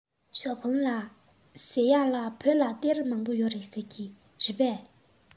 ཞའོ ཧྥུང ལགས ཟེར ཡས ལ བོད ལ གཏེར མང པོ ཡོད རེད ཟེར གྱིས རེད པས